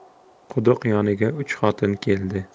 quduq yoniga uch xotin keldi